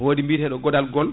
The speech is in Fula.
wodi biyeteɗo *